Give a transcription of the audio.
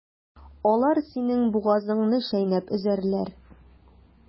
Алар синең бугазыңны чәйнәп өзәрләр.